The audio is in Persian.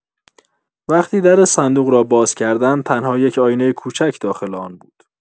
وقتی در صندوق را باز کردند، تنها یک آینه کوچک داخل آن بود.